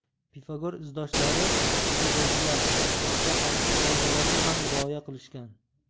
pifagor izdoshlari pifagorchilar boshqa qat'iy qoidalarga ham rioya qilishgan